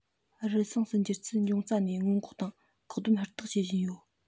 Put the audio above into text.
རུལ སུངས སུ འགྱུར ཚུལ འབྱུང རྩ ནས སྔོན འགོག དང བཀག སྡོམ ཧུར ཐག བྱེད བཞིན ཡོད